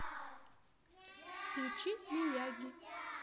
включи мияги